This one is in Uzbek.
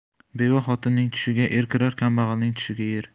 beva xotinning tushiga er kirar kambag'alning tushiga yer